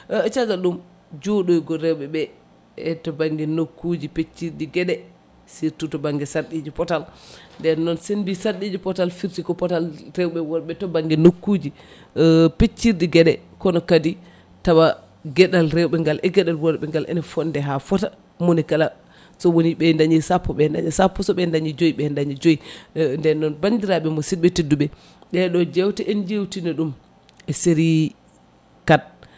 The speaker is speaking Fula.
caggal ɗum jooɗoygol rewɓeɓe e to banggue nokkuji peccirɗi gueɗe surtout to banggue sarɗiji pootal nden sen mbi sarɗiji pootal firti ko pootal rewɓe e worɓe to banggue nokkuji peccirɗi gueɗe kono kadi tawa gueɗal rewɓe ngal e gueɗal worɓe ngal ene fonde ha fota monikala so ɓeeya dañi sappo ɓe daña sappo soɓe dañi joyyi ɓe daña joyyi nden noon bandiraɓe musidɓe tedduɓe ɗeɗo jewte en jewtino ɗum e série 4